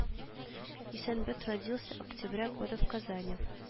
Исәнбәт родился октября года в казани